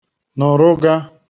nọrụga